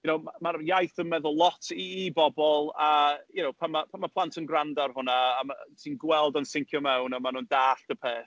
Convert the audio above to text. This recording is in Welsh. You know ma' ma'r iaith yn meddwl lot i bobl, a you know pan ma' pan ma' plant yn gwrando ar hwnna, a ma'... ti'n gweld o'n sincio mewn, a maen nhw'n dallt y peth.